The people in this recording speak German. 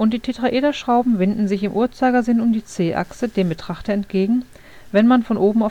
die Tetraederschrauben winden sich im Uhrzeigersinn um die c-Achse dem Betrachter entgegen, wenn man von oben